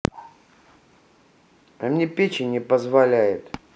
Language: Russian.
а мне печень не позволяет